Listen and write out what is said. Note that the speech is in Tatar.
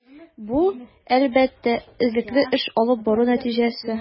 Бу, әлбәттә, эзлекле эш алып бару нәтиҗәсе.